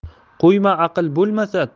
quyma aql bo'lmasa